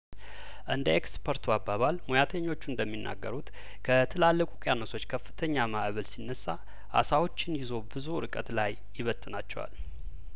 እንደ ኤክስፐርቱ አባባል ሙያተኞቹ እንደሚናገሩት ከትላልቅ ውቅያኖሶች ከፍተኛ ማእበል ሲነሳ አሳዎችን ይዞ ብዙ እርቀት ላይ ይበትናቸዋል